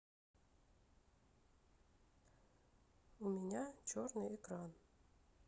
у меня черный экран